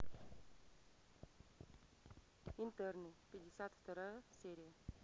интерны пятьдесят вторая серия